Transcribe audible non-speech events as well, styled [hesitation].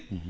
[hesitation] [hesitation]